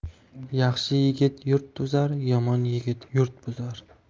yaxshi yigit yurt tuzar yomon yigit yurt buzar